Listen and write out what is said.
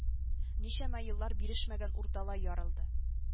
Ничәмә еллар бирешмәгән урталай ярылды